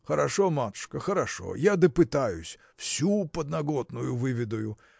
– Хорошо, матушка, хорошо: я допытаюсь, всю подноготную выведаю.